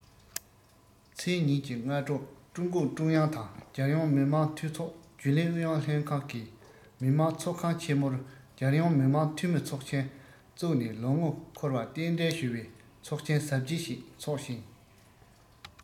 ཚེས ཉིན གྱི སྔ དྲོ ཀྲུང གུང ཀྲུང དབྱང དང རྒྱལ ཡོངས མི དམངས འཐུས ཚོགས རྒྱུན ལས ཨུ ཡོན ལྷན ཁང གིས མི དམངས ཚོགས ཁང ཆེ མོར རྒྱལ ཡོངས མི དམངས འཐུས མི ཚོགས ཆེན བཙུགས ནས ལོ ངོ འཁོར བར རྟེན འབྲེལ ཞུ བའི ཚོགས ཆེན གཟབ རྒྱས ཤིག འཚོགས ཤིང